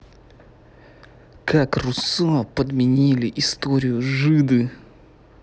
как руссо подменили историю жиды